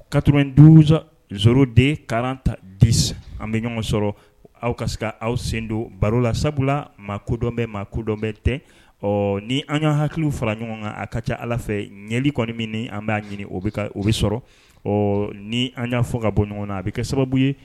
Kato in duuruzoro de ka ta di an bɛ ɲɔgɔn sɔrɔ aw ka se aw sen don baro la sabula ma kodɔn bɛ ma kudɔnbɛn tɛ ɔ ni an y'an hakili fara ɲɔgɔn kan a ka ca ala fɛ ɲɛli kɔni min an b'a ɲini o o bɛ sɔrɔ ɔ ni an y'a fɔ ka bɔ ɲɔgɔnɔn a bɛ kɛ sababu ye